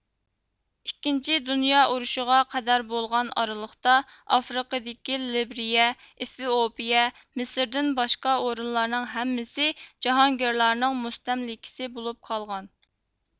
ئىككىنچى دۇنيا ئۇرۇشىغا قەدەر بولغان ئارىلىقتا ئافرىقىدىكى لېبرىيە ئېفىئوپىيە مىسىردىن باشقا ئورۇنلارنىڭ ھەممىسى جاھانگىرلارنىڭ مۇستەملىكىسى بولۇپ قالغان